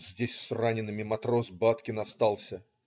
" "Здесь с ранеными матрос Баткин остался".